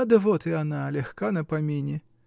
Да вот и она; легка на помине.